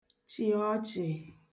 chị̀ ọchì